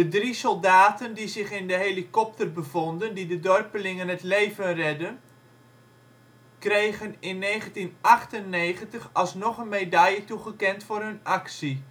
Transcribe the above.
drie soldaten die zich in de helikopter bevonden die de dorpelingen het leven redden kregen in 1998 alsnog een medaille toegekend voor hun actie